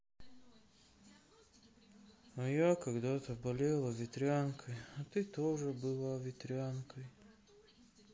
а я когда то болела ветрянкой а ты тоже была ветрянкой